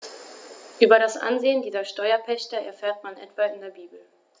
Über das Ansehen dieser Steuerpächter erfährt man etwa in der Bibel.